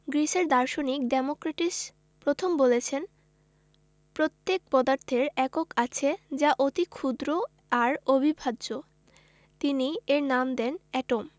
গ্রিসের দার্শনিক ডেমোক্রিটাস প্রথম বলেছেন প্রত্যেক পদার্থের একক আছে যা অতি ক্ষুদ্র আর অবিভাজ্য তিনি এর নাম দেন এটম